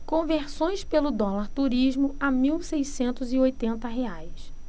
conversões pelo dólar turismo a mil seiscentos e oitenta reais